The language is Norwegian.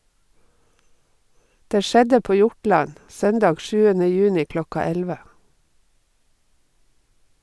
Det skjedde på Hjortland , søndag 7. juni kl. 11.